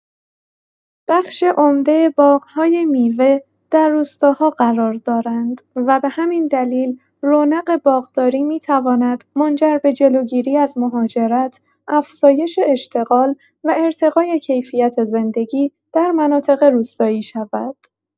بخش عمده باغ‌های میوه در روستاها قرار دارند و به همین دلیل رونق باغداری می‌تواند منجر به جلوگیری از مهاجرت، افزایش اشتغال و ارتقای کیفیت زندگی در مناطق روستایی شود.